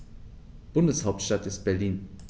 Bundeshauptstadt ist Berlin.